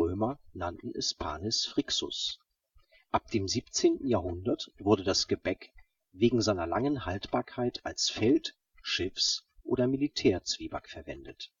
Römer nannten es panis frixus. Ab dem 17. Jahrhundert wurde das Gebäck wegen seiner langen Haltbarkeit als Feld -, Schiffs - oder Militärzwieback verwendet